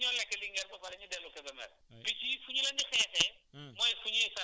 non picc yi xam nga picc yi mun nañu jóge Kebemer énu ñëw lekk Linguère ba pare ñu dellu Kebemer